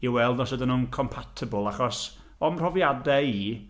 I weld os ydyn nhw'n compatible, achos o'm mhrofiadau i…